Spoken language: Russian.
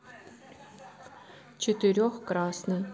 четырех красный